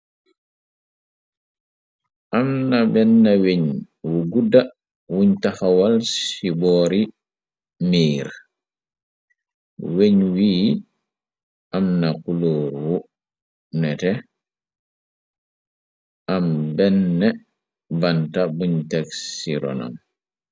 Am na benna weñ wu gudda wuñ taxawal ci boori miir weñ wii am na kulóor wu nete am benn banta buñ teg ci ronam.